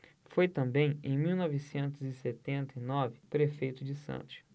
foi também em mil novecentos e setenta e nove prefeito de santos